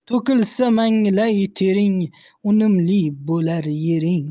to'kilsa manglay tering unumli bo'lar yering